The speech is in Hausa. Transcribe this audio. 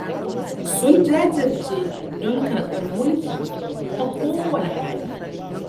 “Sun jajirce don karbar mulki ta ko wane hali.